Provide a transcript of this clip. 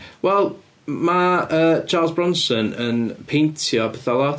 Wel, ma' yy Charles Bronson yn peintio petha lot.